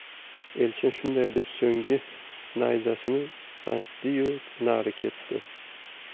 elchin shunday deb so'nggi nayzasini sanchdi yu nari ketdi